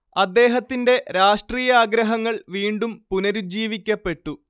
അദ്ദേഹത്തിന്റെ രാഷ്ട്രീയാഗ്രഹങ്ങൾ വീണ്ടും പുനരുജ്ജീവിക്കപ്പെട്ടു